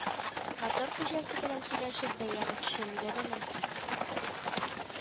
Мотор хуҗасы белән сөйләшеп, бәяне төшерергә дә мөмкин